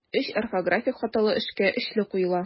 Өч орфографик хаталы эшкә өчле куела.